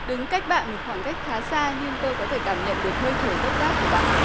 đứng cách bạn một khoảng cách khá xa nhưng tôi có thể cảm nhận được hơi thở gấp gáp của bạn